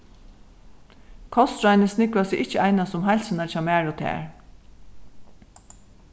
kostráðini snúgva seg ikki einans um heilsuna hjá mær og tær